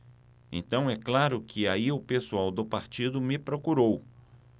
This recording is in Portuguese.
então é claro que aí o pessoal do partido me procurou